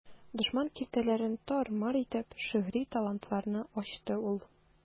Дошман киртәләрен тар-мар итеп, шигъри талантларны ачты ул.